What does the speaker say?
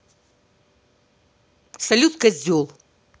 салют козел